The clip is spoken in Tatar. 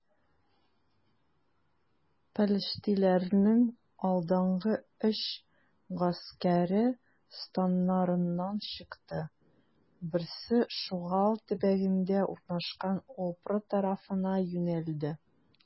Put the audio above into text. Пелештиләрнең алдынгы өч гаскәре, станнарыннан чыкты: берсе Шугал төбәгендә урнашкан Опра тарафына юнәлде.